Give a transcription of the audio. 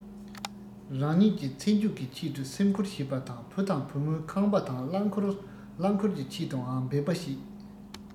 རང ཉིད ཀྱི ཚེ མཇུག གི ཆེད དུ སེམས ཁུར བྱེད པ དང བུ དང བུ མོའི ཁང པ དང རླངས འཁོར རླངས འཁོར གྱི ཆེད དུའང འབད པ བྱེད